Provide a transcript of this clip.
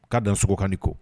K'a dansogo k'a ni ko